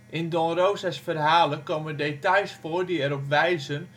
In Don Rosa 's verhalen komen details voor die erop wijzen